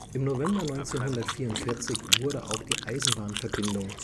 November 1944 wurde auch die Eisenbahnverbindung